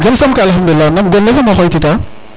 jam som kay alkhadoulila nam gon le fo mam o xoytita